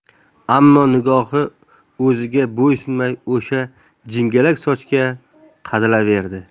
ammo nigohi o'ziga bo'ysunmay o'sha jingalak sochga qadalaverdi